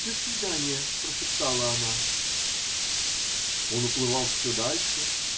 -- До свидания, -- прошептала она. Он уплывал все дальше.